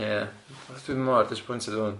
Ie achos dwi'm mor disappointed efo hwn.